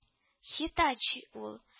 —“хитачи” ул